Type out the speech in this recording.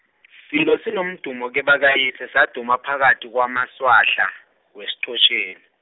silo sinomdumo kebakayise saduma phakathi kwamaswahla, weSichotjeni.